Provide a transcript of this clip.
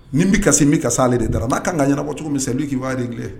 Nin bɛ kasi min ka sa ale de da n'a ka kan ka ɲɛnabɔ cogo min sa n bɛ k'i'a de kɛ